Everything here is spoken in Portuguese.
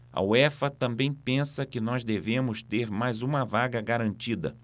a uefa também pensa que nós devemos ter mais uma vaga garantida